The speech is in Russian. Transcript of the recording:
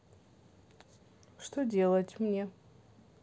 что делать мне